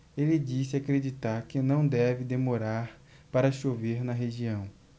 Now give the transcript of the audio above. ele disse acreditar que não deve demorar para chover na região